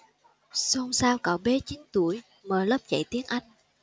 xôn xao cậu bé chín tuổi mở lớp dạy tiếng anh